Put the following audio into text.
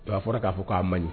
A fɔra k'a fɔ k'a man ɲi